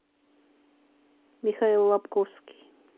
михаил лобковский